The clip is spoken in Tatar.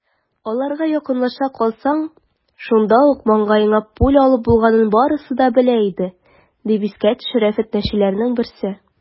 Аларга якынлаша калсаң, шунда ук маңгаеңа пуля алып булганын барысы да белә иде, - дип искә төшерә фетнәчеләрнең берсе.